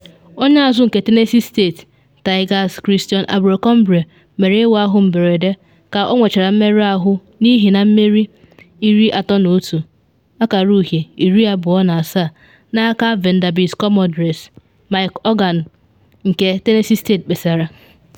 Onye azụ nke Tennessee State Tigers Christion Abercrombie mere ịwa ahụ mberede ka ọ nwechara mmerụ ahụ n’ihi na mmeri 31-27 n’aka Vanderbilt Commodores, Mike Organ nke Tennessee kpesara.